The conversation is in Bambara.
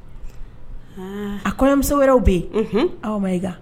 A kɔɲɔmuso wɛrɛ bɛ yen aw ma i